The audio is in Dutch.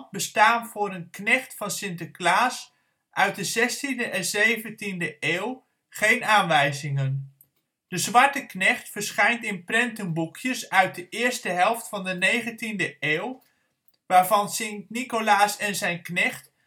bestaan voor een knecht van Sinterklaas uit de 16e en de 17e eeuw geen aanwijzingen. De zwarte knecht verschijnt in prentenboekjes uit de eerste helft van de negentiende eeuw, waarvan Sint Nicolaas en zijn Knecht